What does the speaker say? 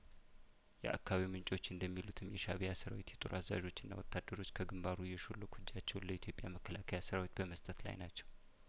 የአካባቢው ምንጮች እንደሚሉትም የሻእቢያ ሰራዊት የጦር አዛዦችና ወታደሮች ከግንባሩ እየሾለኩ እጃቸውን ለኢትዮጵያ መከላከያ ሰራዊት በመስጠት ላይ ናቸው